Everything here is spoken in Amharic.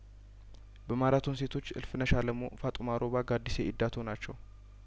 በማራቶን ሴቶች እልፍነሽ አለሙ ፋጡማ ሮባ ጋዲ ሲኤዳቶ ናቸው